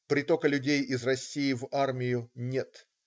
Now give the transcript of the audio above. Притока людей из России в армию - нет.